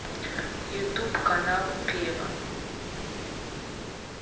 ютуб канал пева